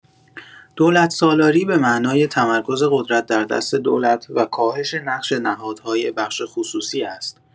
دولت‌سالاری به‌معنای تمرکز قدرت در دست دولت و کاهش نقش نهادهای بخش خصوصی است.